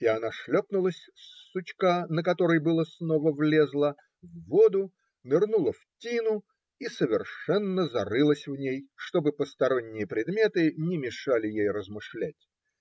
И она шлепнулась с сучка, на который было снова влезла, в воду, нырнула в тину и совершенно зарылась в ней, чтобы посторонние предметы не мешали ей размышлять.